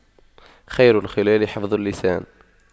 خير الخلال حفظ اللسان